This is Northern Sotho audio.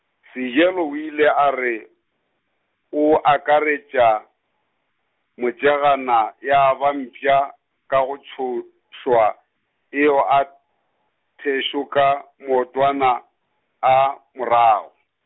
Sejelo o ile a re, o akaretša, motšegana ya ba mpša, ka go tšhošwa e o a, thetša ka maotwana, a, morago.